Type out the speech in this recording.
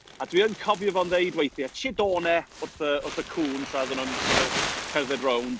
A dwi yn cofio fo'n ddeud weithiau: "tyd o 'na!" wrth y wrth y cwn, tra oedden nhw'n, sorta cerdded rownd.